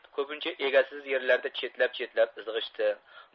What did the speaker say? ko'pincha egasiz yerlarda chetlab chetlab izg'ishdi